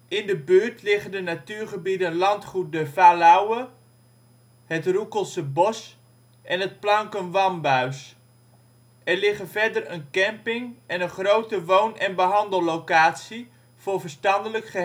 In de buurt liggen de natuurgebieden Landgoed de Valouwe, het Roekelse Bosch en het Planken Wambuis. Er liggen verder een camping en een grote woon - en behandellocatie voor verstandelijk